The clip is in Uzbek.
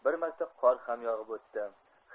bir marta qor ham yog'ib o'tdi